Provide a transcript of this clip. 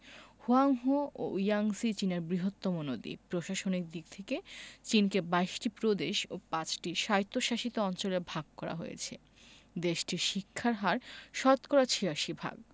Hwang Ho ও Yangtze চীনের বৃহত্তম নদী প্রশাসনিক দিক থেকে চিনকে ২২ টি প্রদেশ ও ৫ টি স্বায়ত্তশাসিত অঞ্চলে ভাগ করা হয়েছে দেশটির শিক্ষার হার শতকরা ৮৬ ভাগ